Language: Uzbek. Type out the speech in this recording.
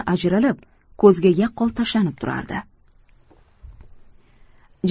ajralib ko'zga yaqqol tashlanib turardi